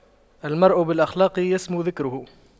المرء بالأخلاق يسمو ذكره